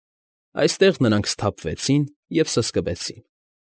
Այստեղ նրանք սթափվեցին ու սսկվեցին։